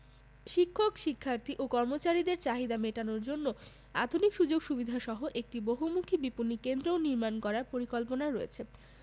শিক্ষক শিক্ষার্থী ও কর্মচারীদের চাহিদা মেটানোর জন্য আধুনিক সুযোগ সুবিধাসহ একটি বহুমুখী বিপণি কেন্দ্রও নির্মাণ করার পরিকল্পনা রয়েছে